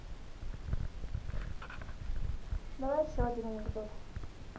давай еще один анекдот